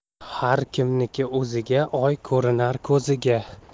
har kimniki o'ziga oy ko'rinar ko'ziga